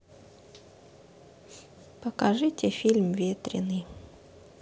покажите фильм ветреный